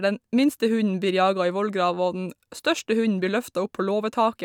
Den minste hunden blir jaga i vollgrava og den største hunden blir løfta opp på låvetaket.